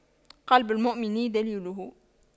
قلب المؤمن دليله